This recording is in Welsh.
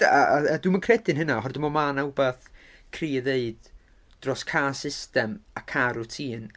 A dwi ddim yn credu'n hynna. Herwydd dwi'n meddwl ma' 'na rhywbeth cry i ddeud dros cael system a cael routine.